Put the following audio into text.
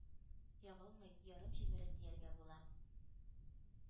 Ягылмый, ярымҗимерек дияргә була